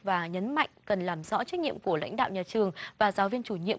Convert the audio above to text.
và nhấn mạnh cần làm rõ trách nhiệm của lãnh đạo nhà trường và giáo viên chủ nhiệm